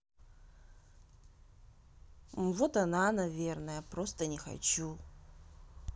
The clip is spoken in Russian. вот она наверное просто не хочу